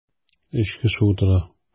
Өч кеше утыра.